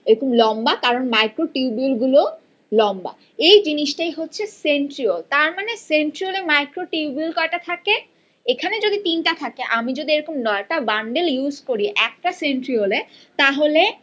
এরকম লম্বা কারণ মাইক্রোটিউবিউল গুলো লম্বা এই জিনিসগুলো হচ্ছে সেন্ট্রিওল তারমানে সেন্ট্রিওল এ মাইক্রোটিউবিউল কয়টা থাকে এখানে যদি তিনটা থাকে আমি যদি এরকম ৯ টা বান্ডেল ইউজ করি একটা সেন্ট্রিওল এ তাহলে